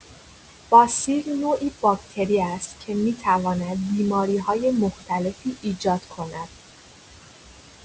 باسیل نوعی باکتری است که می‌تواند بیماری‌های مختلفی ایجاد کند.